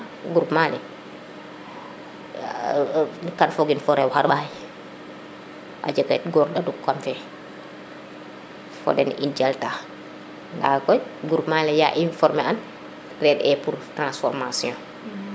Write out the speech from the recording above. groupement ne kam fogin fo rew xarɓaxay a jega yit goor daduk kam fe fo ween im jalta nda koy groupement le yaa i former an re e pour transformation